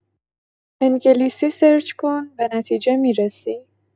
انگلیسی سرچ کن به نتیجه می‌رسی.